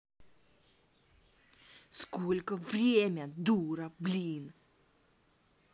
сколько время дура блин